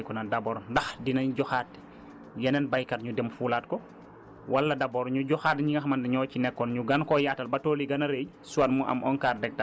ci loolu la ñu mën a sukkandiku nag d' abord ndax dinañ joxaat yeneen baykat ñu dem fulaat ko wala d' abord ñu joxaat ñi nga xamante ne ñoo ci nekkoon ñu gën koo yaatal ba tool yi gën a rëy